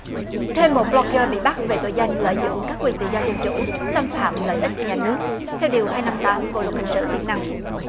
thêm một lóc gơ bị bắt về tội danh lợi dụng các quyền tự do dân chủ xâm phạm lợi ích nhà nước theo điều hai năm tám bộ luật hình sự việt nam